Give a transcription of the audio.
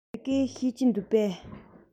ཁོས བོད སྐད ཤེས ཀྱི འདུག གས